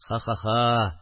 – ха-ха-ха